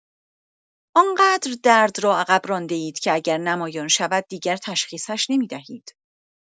آن‌قدر درد را عقب رانده‌اید که اگر نمایان شود دیگر تشخیصش نمی‌دهید.